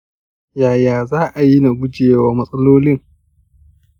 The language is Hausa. yaya za'ayi na guje wa matsalolin